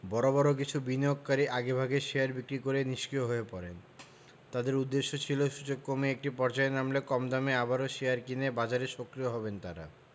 বড় বড় কিছু বিনিয়োগকারী আগেভাগে শেয়ার বিক্রি করে নিষ্ক্রিয় হয়ে পড়েন তাঁদের উদ্দেশ্য ছিল সূচক কমে একটি পর্যায়ে নামলে কম দামে আবারও শেয়ার কিনে বাজারে সক্রিয় হবেন তাঁরা